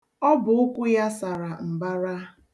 Ọbụụkwụ ya sara mbara.